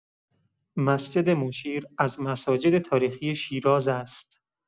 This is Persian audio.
مسجد مشیر از مساجد تاریخی شیراز است.